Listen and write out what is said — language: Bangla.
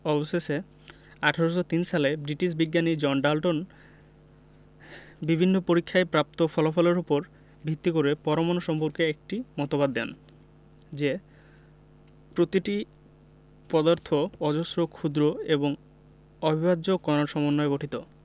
অবশেষে ১৮০৩ সালে ব্রিটিশ বিজ্ঞানী জন ডাল্টন বিভিন্ন পরীক্ষায় প্রাপ্ত ফলাফলের উপর ভিত্তি করে পরমাণু সম্পর্কে একটি মতবাদ দেন যে প্রতিটি পদার্থ অজস্র ক্ষুদ্র এবং অবিভাজ্য কণার সমন্বয়ে গঠিত